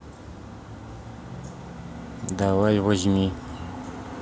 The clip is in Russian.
давай возьми